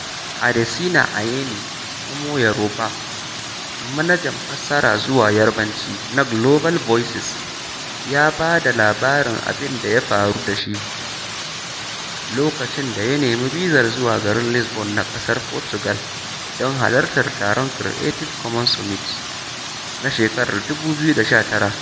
Adesina Ayeni (Ọmọ Yoòbá) manajan fassara zuwa Yarbanci na Global voices ya ba da labarin abinda ya faru da shi lokacin da ya nemi bizar zuwa garin Lisbon na ƙasar Portugal don halartar taron Creative Commons Summit na shekarar 2019.